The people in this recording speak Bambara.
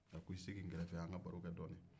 a k'i sigi n kɛrɛfɛ yan an ka barokɛ dɔni